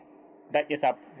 daƴƴe sappo